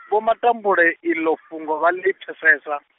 Vho Matambule iḽo fhungo vha ḽi pfesesa.